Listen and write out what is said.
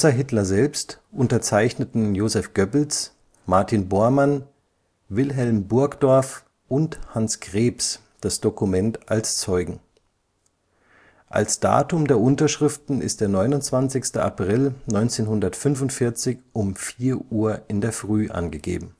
Hitler selbst unterzeichneten Joseph Goebbels, Martin Bormann, Wilhelm Burgdorf und Hans Krebs das Dokument als Zeugen. Als Datum der Unterschriften ist der 29. April 1945 um 4:00 Uhr angegeben